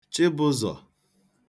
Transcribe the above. Chibụ̄zọ̀